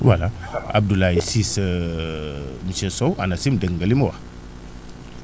voilà Abdoulaye Ciss monsieur sow ANACIM dégg nga li mu wax